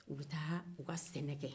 u bɛ taa u ka sɛnɛ kɛ